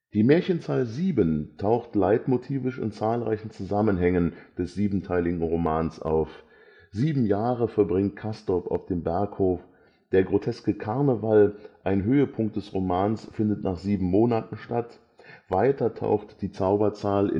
Die Märchen-Zahl Sieben taucht leitmotivisch in zahlreichen Zusammenhängen des siebenteiligen Romans auf. Sieben Jahre verbringt Castorp auf dem Berghof; der groteske Karneval, ein Höhepunkt des Romans, findet nach sieben Monaten statt. Weiter taucht die Zauberzahl